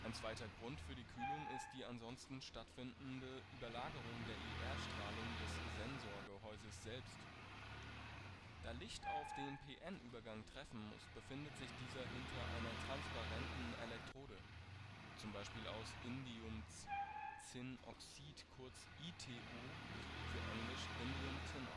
zweiter Grund für die Kühlung ist die ansonsten stattfindende Überlagerung der IR-Strahlung des Sensorgehäuses selbst. Da Licht auf den p-n-Übergang treffen muss, befindet sich dieser hinter einer transparenten Elektrode (z. B. aus Indiumzinnoxid, kurz ITO für englisch indium tin oxide